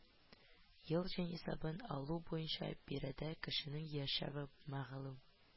Ел җанисәбен алу буенча биредә кешенең яшәве мәгълүм